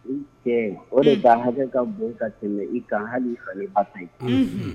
I cɛ unh o de ka hakɛ ka bon ka tɛmɛ i kan hali i fa n'i ba ta ye unhun